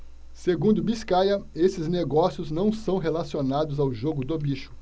segundo biscaia esses negócios não são relacionados ao jogo do bicho